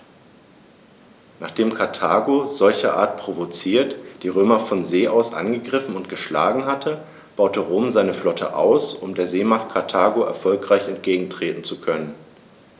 Nachdem Karthago, solcherart provoziert, die Römer von See aus angegriffen und geschlagen hatte, baute Rom seine Flotte aus, um der Seemacht Karthago erfolgreich entgegentreten zu können.